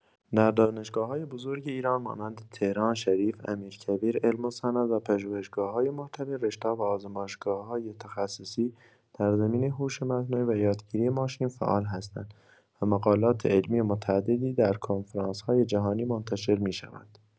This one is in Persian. در دانشگاه‌‌های بزرگ ایران مانند تهران، شریف، امیرکبیر، علم‌وصنعت و پژوهشگاه‌های مرتبط، رشته‌ها و آزمایشگاه‌های تخصصی در زمینه هوش مصنوعی و یادگیری ماشین فعال هستند و مقالات علمی متعددی در کنفرانس‌های جهانی منتشر می‌شود.